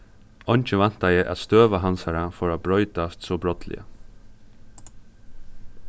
eingin væntaði at støða hansara fór at broytast so brádliga